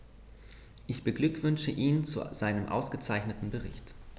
Ich beglückwünsche ihn zu seinem ausgezeichneten Bericht.